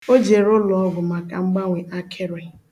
O jere ụlọọgwụ maka mgbanwe akịrị̄